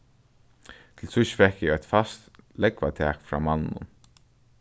til síðst fekk eitt fast lógvatak frá manninum